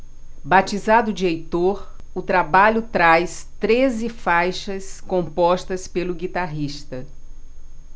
batizado de heitor o trabalho traz treze faixas compostas pelo guitarrista